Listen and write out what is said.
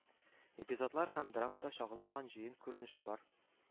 Эпизодлар һәм драмада чагылмаган җыен күренеше бар;